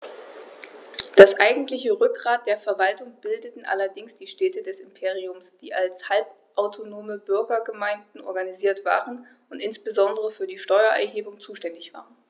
Das eigentliche Rückgrat der Verwaltung bildeten allerdings die Städte des Imperiums, die als halbautonome Bürgergemeinden organisiert waren und insbesondere für die Steuererhebung zuständig waren.